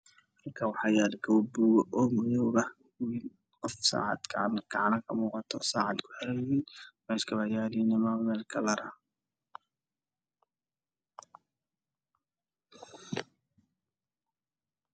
Waa labo kabood oo ah ka baabuur oo midow ah waxaa gacanta ku haya qof waxaa ka dambeeyay roob guduud ah